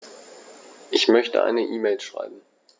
Ich möchte eine E-Mail schreiben.